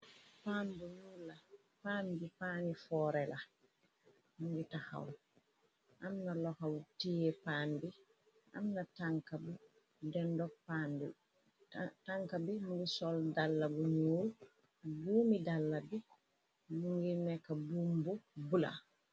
Pan bi paani foore la mungi taxawl amna loxabu tie paan bi amna dendo tanka bi mungi sol dalla bu ñuul juumi dalla bi mungi nekka buumbu bula.